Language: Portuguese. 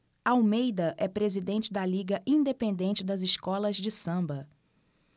almeida é presidente da liga independente das escolas de samba